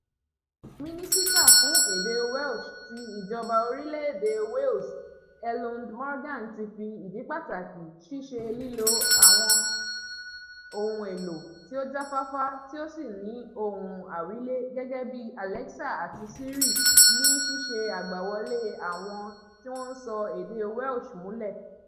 Mínísítà fún èdè Welsh ti ìjọba orílẹ̀ èdè Wales Eluned Morgan ti fi ìdí pàtàkì ṣíṣe lílo àwọn ohun èlò tí ó jáfáfá tí ó sì ní ohùn àwílé gẹ́gẹ́ bíi Alexa àti Siri ní ṣíṣe àgbàwọlé àwọn tí wọ́n ń sọ èdè Welsh múlẹ̀.